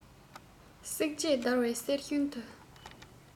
སྲེག བཅད བརྡར བའི གསེར བཞིན དུ